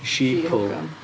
Sheeple.